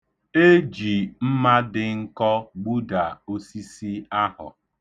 E ji mma dị nkọ gbuda osisi ahụ.